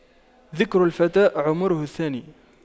ذكر الفتى عمره الثاني